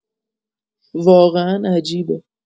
واقعا عجیبه!